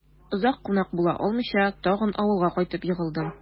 Озак кунак була алмыйча, тагын авылга кайтып егылдым...